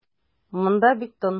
Монда бик тын.